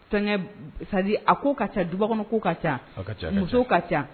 Tɔn sadi a ko ka ca dubakɔnɔ ko ka ca ka ca musow ka ca